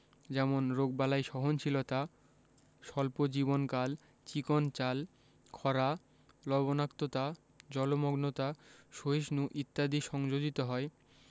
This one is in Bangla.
যেমন রোগবালাই সহনশীলতা স্বল্প জীবনকাল চিকন চাল খরা লবনাক্ততা জলমগ্নতা সহিষ্ণু ইত্যাদি সংযোজিত হয়